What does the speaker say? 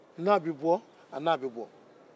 n'a bɛ bɔ a n' a bɛ bɔ